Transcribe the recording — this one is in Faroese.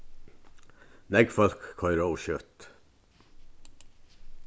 nógv fólk koyra ov skjótt